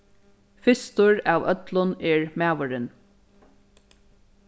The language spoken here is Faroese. fyrstur av øllum er maðurin